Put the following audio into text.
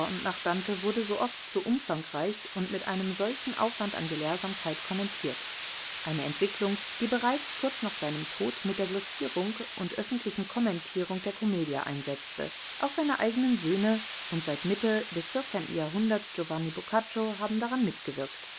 nach Dante wurde so oft, so umfangreich und mit einem solchen Aufwand an Gelehrsamkeit kommentiert, eine Entwicklung, die bereits kurz nach seinem Tod mit der Glossierung und öffentlichen Kommentierung der Commedia einsetzte. Auch seine eigenen Söhne und seit der Mitte des 14. Jahrhunderts Giovanni Boccaccio haben daran mitgewirkt